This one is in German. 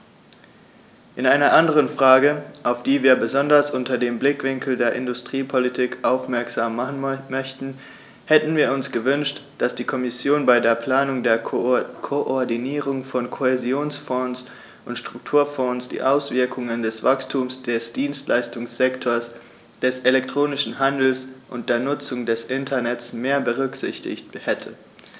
In einer anderen Frage, auf die wir besonders unter dem Blickwinkel der Industriepolitik aufmerksam machen möchten, hätten wir uns gewünscht, dass die Kommission bei der Planung der Koordinierung von Kohäsionsfonds und Strukturfonds die Auswirkungen des Wachstums des Dienstleistungssektors, des elektronischen Handels und der Nutzung des Internets mehr berücksichtigt hätte.